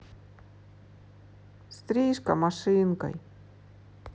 стрижка машинкой